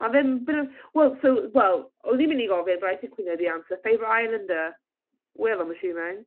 Ma' fe'n bit of wel so wel o'n i'n mynd i gofyn but I think we all know the answer, favourite islander? Will I'm assuming?